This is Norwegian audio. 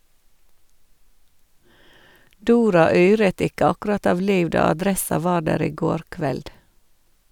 Dora yret ikke akkurat av liv da adressa var der i går kveld.